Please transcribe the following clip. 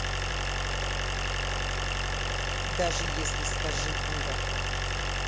даже если скажи дура